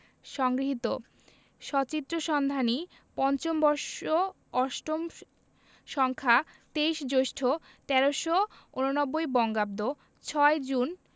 সংগৃহীত সচিত্র সন্ধানী৫ম বর্ষ ৮ম সংখ্যা ২৩ জ্যৈষ্ঠ ১৩৮৯ বঙ্গাব্দ ৬ জুন